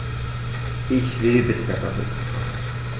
Ich will bitte Kartoffelsuppe kochen.